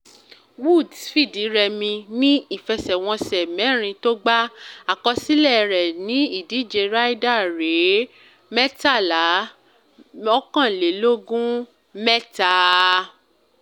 Woods fìdírẹmi ní ìfẹsẹ̀wọnsẹ̀ mẹ́rin tó gbá. Àkọsílẹ̀ rẹ̀ ní ìdíje Ryder rèé: 13-21-3.